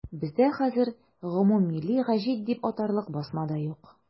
Бездә хәзер гомуммилли гәҗит дип атарлык басма да юк.